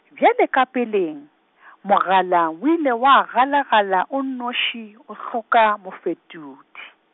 bjale ka peleng, mogala o ile wa galagala o nnoši, o hloka mofetodi.